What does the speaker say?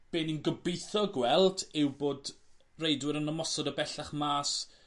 be' ni'n gobitho gweld yw bod reidwyr yn ymosod o bellach mas